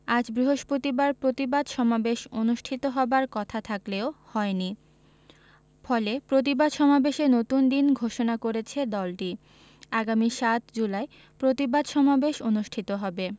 আজ বৃহস্পতিবার প্রতিবাদ সমাবেশ অনুষ্ঠিত হবার কথা থাকলেও হয়নি ফলে প্রতিবাদ সমাবেশের নতুন দিন ঘোষণা করেছে দলটি আগামী ৭ জুলাই প্রতিবাদ সমাবেশ অনুষ্ঠিত হবে